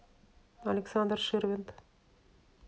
александр ширвиндт